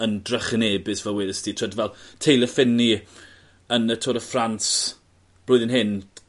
yn drychinebus fel wedest ti t'wod fel Taylor Phinney yn y Tour de France blwyddyn hyn